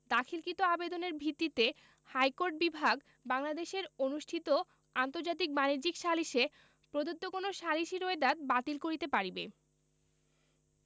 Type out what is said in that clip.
দাখিলকৃত আবেদনের ভিত্তিতে হাইকোর্ট বিভাগ বাংলাদেশের অনুষ্ঠিত আন্তর্জাতিক বাণিজ্যিক সালিসে প্রদত্ত কোন সালিসী রোয়েদাদ বাতিল করিতে পারিবে